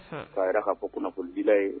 'a yɛrɛ k'a fɔ kunnafonidila ye